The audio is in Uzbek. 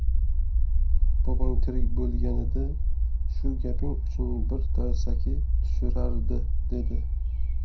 bobong tirik bo'lganida shu gaping uchun bir tarsaki tushirardi dedi